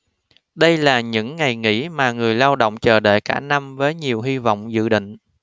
đây là những ngày nghỉ mà người lao động chờ đợi cả năm với nhiều hi vọng dự định